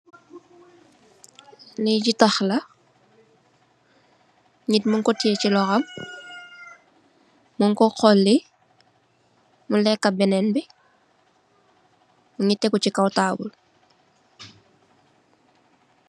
Li ditah la, nit mung ko tè ci lohom, mung ko hooli, mu tekka benen bi mungi tégu ci kaw taabl.